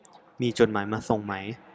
มีจดหมายมาส่งมั้ย